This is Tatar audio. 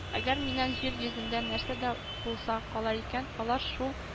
“әгәр миннән җир йөзендә нәрсә дә булса кала икән, алар шул